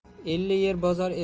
elli yer bozor